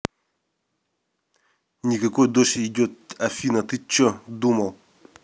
никакой дождь идет афина ты че думал